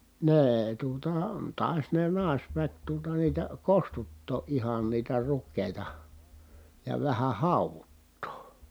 ne tuota taisi ne naisväki tuota niitä kostuttaa ihan niitä rukiita ja vähän hauduttaa